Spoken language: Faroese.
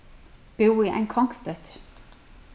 búði ein kongsdóttir